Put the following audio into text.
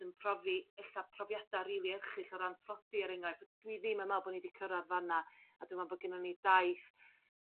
yn profi ella profiadau rili erchyll o ran tlodi er enghraifft d- dwi ddim yn me'l bo' ni 'di cyrradd fan na a dwi me'wl bo' ginon ni daith